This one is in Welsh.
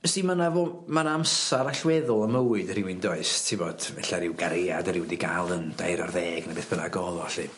Wst di ma' 'na fo- ma' 'na amsar allweddol ym mywyd y rywun does ti'bod efalla' ryw gariad y' rywun 'di ga'l yn dair ar ddeg ne' beth bynnag o'dd o 'lly...